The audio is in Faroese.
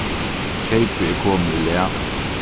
keypið er komið í lag